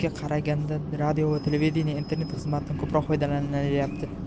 televidenie internet xizmatidan ko'proq foydalanayapti